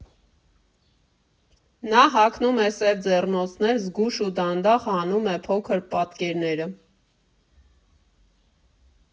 Նա հագնում է սև ձեռնոցներ, զգույշ ու դանդաղ հանում է փոքր պատկերները.